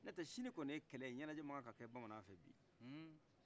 nɔtɛ sini kɔni ye kɛlɛye ɲɛnɛjɛ manka kɛ bamanan feyi